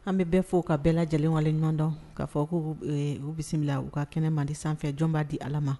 An bɛ bɛɛ fɔ ka bɛɛ lajɛlen wale ɲɔgɔndɔn ka'a fɔ ko u bisimila u ka kɛnɛ mali di sanfɛ jɔn b'a di ala ma